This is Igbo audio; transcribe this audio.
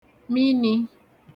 minī